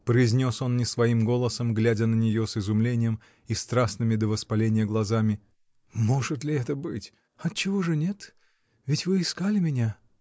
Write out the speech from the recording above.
— произнес он не своим голосом, глядя на нее с изумлением и страстными до воспаления глазами. — Может ли это быть? — Отчего же нет? ведь вы искали меня.